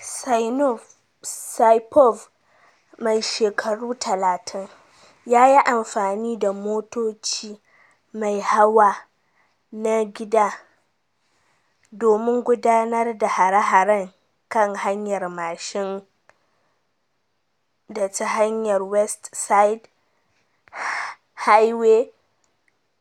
Saipov, mai shekaru 30, ya yi amfani da motoci mai hawa na gida domin gudanar da hare-haren kan hanyar machine da ta hanyar West Side Highway